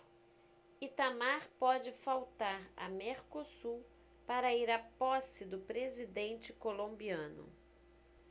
itamar pode faltar a mercosul para ir à posse do presidente colombiano